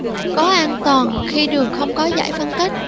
có an toàn khi đường không có dải phân cách